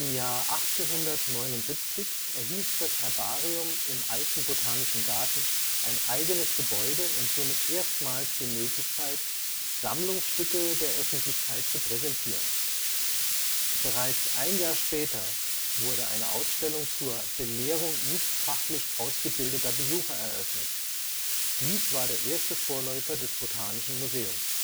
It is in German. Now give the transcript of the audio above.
Jahr 1879 erhielt das Herbarium im alten Botanischen Garten ein eigenes Gebäude und somit erstmals die Möglichkeit, Sammlungsstücke der Öffentlichkeit zu präsentieren. Bereits ein Jahr später wurde eine Ausstellung zur „ Belehrung nicht fachlich ausgebildeter Besucher “eröffnet. Dies war der erste Vorläufer des Botanischen Museums